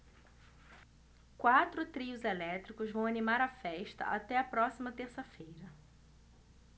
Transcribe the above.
quatro trios elétricos vão animar a festa até a próxima terça-feira